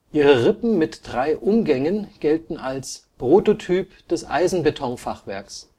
Ihre Rippen mit drei Umgängen gelten als „ Prototyp des Eisenbetonfachwerks